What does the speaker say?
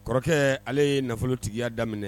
Kɔrɔkɛ ale ye nafolo tigiya daminɛ